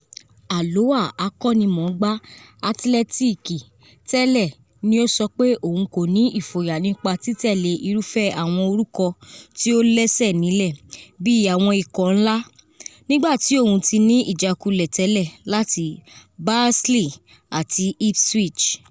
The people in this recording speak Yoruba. Alloa Akọ́nimọ̀ọ́gbà Athletic tẹlẹ ni ó sọ pé òun kò ní ìfòyà nípa títẹ̀lé irúfẹ́ àwọn orúkọ tí ó lẹ́sẹ̀ nílẹ̀ bíi àwọn ikọ̀ ńlá, nígbà tí òun tí ni ìjákulẹ̀ tẹ́lẹ̀ láti Barnsley àti ipswich.